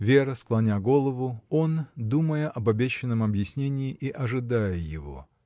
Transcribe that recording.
Вера — склоня голову, он — думая об обещанном объяснении и ожидая его.